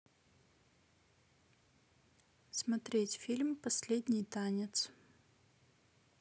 смотреть фильм последний танец